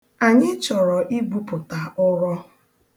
Anyị chọrọ igwupụta ụrọ.